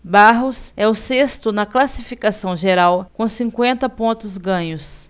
barros é o sexto na classificação geral com cinquenta pontos ganhos